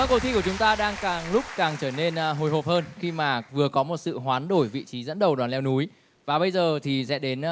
vâng cuộc thi của chúng ta đang càng lúc càng trở nên hồi hộp hơn khi mà vừa có một sự hoán đổi vị trí dẫn đầu đoàn leo núi và bây giờ thì sẽ đến